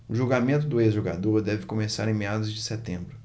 o julgamento do ex-jogador deve começar em meados de setembro